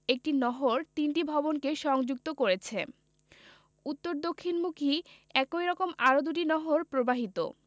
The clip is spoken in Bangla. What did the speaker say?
একটি নহর তিনটি ভবনকে সংযুক্ত করেছে উত্তর দক্ষিণমুখী একই রকম আরও দুটি নহর প্রবাহিত